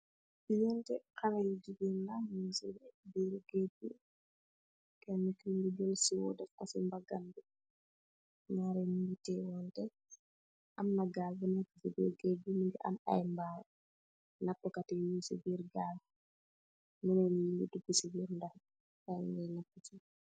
Ñeenti xalé yu jigéen ñuñ si biir geege gi. Kenë ki mu ngi jël siwo def ko mbagam bi. Ñaar ñi ñu ngi tiyewante. Am na gaal bu nékë si biir geege gi, mbu am ay mbaal. Napu kat yi ñu ngi amee ay mbaal, ñenen yi ñu ngi biir ndox mi.